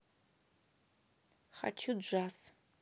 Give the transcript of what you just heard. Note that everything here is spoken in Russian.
хочу джаз